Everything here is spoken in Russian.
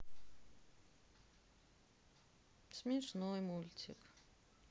смешной мультик